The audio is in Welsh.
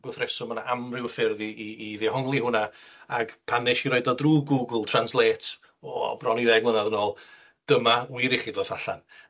Wrth reswm, ma' 'na amryw o ffyrdd i i i ddehongli hwnna, ag pan wnes i roid o drwy Google Translate, o, bron i ddeg mlynadd yn ôl dyma wir i chi ddoth allan